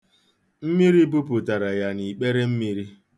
Mmiri bupụtara ya n'ikperemmiri.